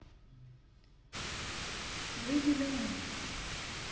выйди домой